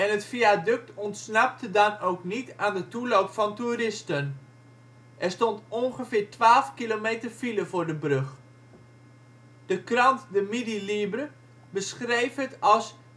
het viaduct ontsnapte dan ook niet aan de toeloop van toeristen: er stond ongeveer twaalf kilometer file voor de brug. De krant de Midi Libre beschreef het als